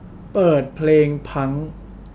เปิดเพลงพังค์